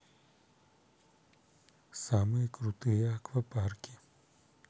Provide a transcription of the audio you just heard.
самые крутые аквапарки